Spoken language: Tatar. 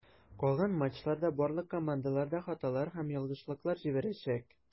Калган матчларда барлык командалар да хаталар һәм ялгышлыклар җибәрәчәк.